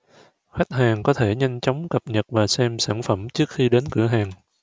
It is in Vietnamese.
khách hàng có thể nhanh chóng cập nhật và xem sản phẩm trước khi đến cửa hàng